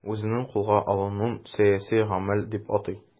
Үзенең кулга алынуын сәяси гамәл дип атый.